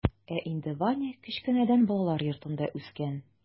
Ә инде ваня кечкенәдән балалар йортында үскән.